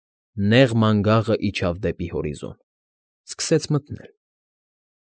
Նեղ մանգաղն իջավ դեպի հորիզոն։ Սկսեց մթնել։